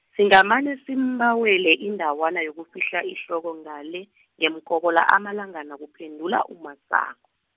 singamane simbawele indawana yokufihla ihloko ngale, ngeMkobola amalangana kuphendula uMasango.